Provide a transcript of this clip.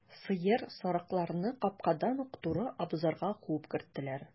Сыер, сарыкларны капкадан ук туры абзарга куып керттеләр.